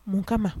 Mun kama.